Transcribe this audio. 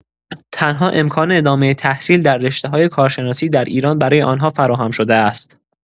تنها امکان ادامه تحصیل در رشته‌های کارشناسی در ایران برای آنها فراهم شده است.